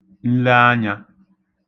nleanyā